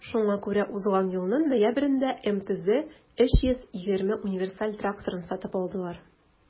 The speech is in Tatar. Шуңа күрә узган елның ноябрендә МТЗ 320 универсаль тракторын сатып алдылар.